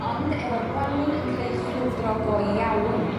Ond efo'r Gwanwyn yn creu chwildro go iawn